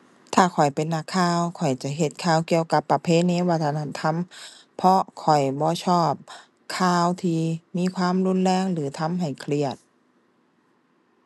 ถ้าข้อยเป็นนักข่าว ข้อยจะเฮ็ดข่าวเกี่ยวกับประเพณีวัฒนธรรม เพราะข้อยบ่ชอบข่าวที่มีความรุนแรง หรือทำให้เครียด